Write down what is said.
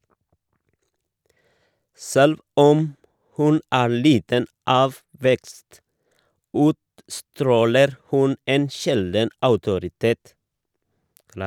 Selv om hun er liten av vekst, utstråler hun en sjelden autoritet.